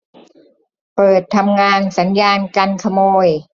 เปิดทำงานสัญญาณกันขโมย